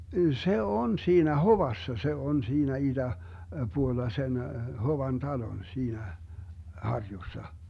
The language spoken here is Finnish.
se on siinä Hovassa se on siinä - itäpuolella sen Hovan talon siinä harjussa